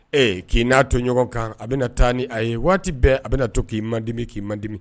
Ee k'i n'a to ɲɔgɔn kan a bɛna na taa ni a ye waati bɛɛ a bɛna na to k'i mandimi k'i mandimi